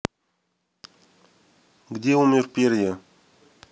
где умер перья